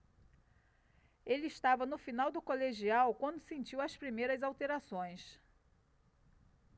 ele estava no final do colegial quando sentiu as primeiras alterações